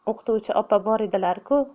o'qituvchi opa bor edilar ku